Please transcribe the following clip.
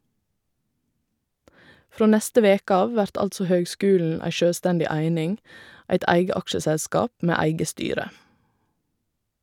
Frå neste veke av vert altså høgskulen ei sjølvstendig eining , eit eige aksjeselskap med eige styre.